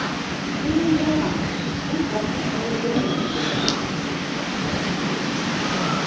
Кем уйлаган шул хәтле түләргә туры килер дип?